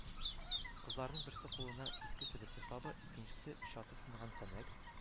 Кызларның берсе кулына иске себерке сабы, икенчесе чаты сынган сәнәк